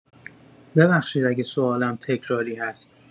ببخشید اگه سوالم تکراری هست.